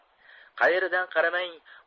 qayeridan qaramang